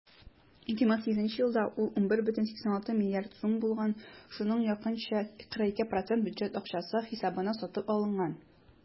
2008 елда ул 11,86 млрд. сум булган, шуның якынча 42 % бюджет акчасы хисабына сатып алынган.